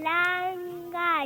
Naamu